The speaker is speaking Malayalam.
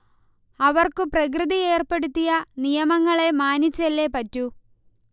അവർക്കു പ്രകൃതി ഏർപ്പെടുത്തിയ നിയമങ്ങളെ മാനിച്ചല്ലേ പറ്റൂ